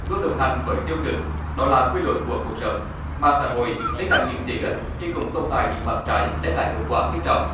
luôn đồng hành với tiêu cực đó là quy luật của cuộc sống mạng xã hội bên cạnh những tiện ích thì cũng tồn tại những mặt trái đem lại hiệu quả nghiêm trọng